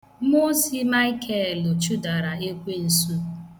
Mmụozị Maịkelụ chụdara ekwensụ.